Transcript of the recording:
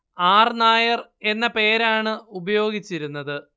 R Nair എന്ന പേരാണ് ഉപയോഗിച്ചിരുന്നത്